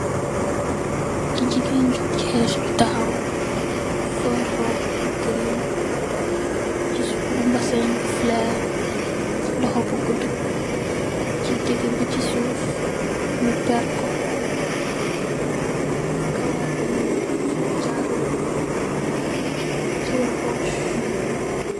Jigeen ju xees ju taxaw sol róbbu bu green bu besan fulor loxo bu guddu ci digibi ci suuf ñu péér ko, dèf kawarr bu ñuul sol jaru yu oór teyeh puss.